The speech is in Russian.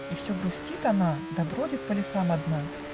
И все грустит она, Да бродит по лесам одна.